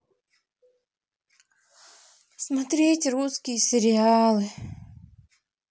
посмотреть русские сериалы